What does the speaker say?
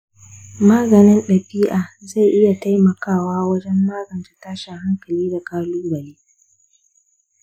maganin ɗabi'a zai iya taimakawa wajen magance tashin hankali da ƙalubale.